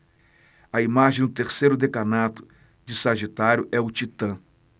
a imagem do terceiro decanato de sagitário é o titã